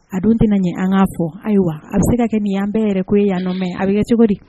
A dun tɛna ɲɛ an ŋa fɔ ayiwa a bɛ se ka kɛ ni y'an bɛ yɛrɛ ko ye yannɔ mais a bɛ kɛ cogodi